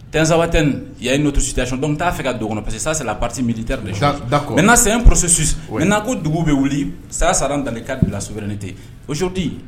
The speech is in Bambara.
Tɛnzwatɛni, Il y'a une autres situation donc_ n t'a fɛ ka dɔn o kɔnɔ parce que ça c'est la partie militaire dès choses d'accord maintenant, c'est un processus maintenant ko dugu bɛ wuli ça ça rentre dans le cadre de la souvenité aujourdui